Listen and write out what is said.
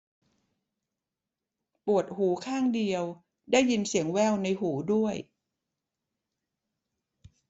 ปวดหูข้างเดียวได้ยินเสียงแว่วในหูด้วย